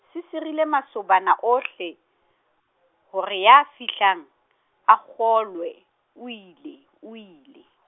se sirile masobana ohle, hore ya fihlang, a kgolwe, o ile, o ile.